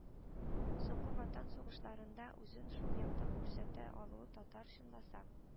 Соңгы ватан сугышларында үзен шул яктан күрсәтә алуы, татар, чынласа,